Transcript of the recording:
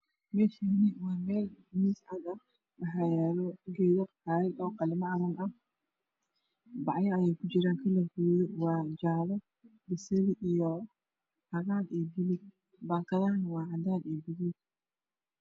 Meshaani waa meel waxaa yalo miis cadan waxaa yalo gedo qalimo camal ah bacyo ayewy ku jiraan kalr kooda waa jaale basali iyo cagar iyo baluug bakadahana waa cadan iyo gaduud